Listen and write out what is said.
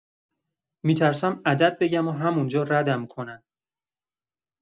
می‌ترسم عدد بگم و همون‌جا ردم کنن.